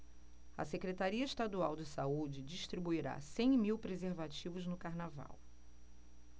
a secretaria estadual de saúde distribuirá cem mil preservativos no carnaval